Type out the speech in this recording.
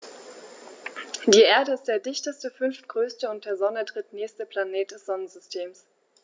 Die Erde ist der dichteste, fünftgrößte und der Sonne drittnächste Planet des Sonnensystems.